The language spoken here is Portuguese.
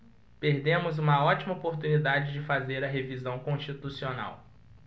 perdemos uma ótima oportunidade de fazer a revisão constitucional